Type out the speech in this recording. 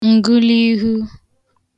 ǹgụliihu